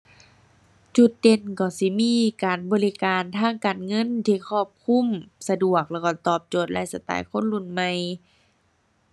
จุดเด่นก็สิมีการบริการทางการเงินที่ครอบคลุม สะดวก แล้วก็ตอบโจทย์ไลฟ์สไตล์คนรุ่นใหม่